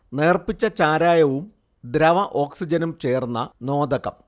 നേർപ്പിച്ച ചാരായവും ദ്രവ ഓക്സിജനും ചേർന്ന നോദകം